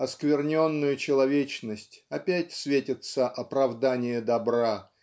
оскверненную человечность опять светится оправдание добра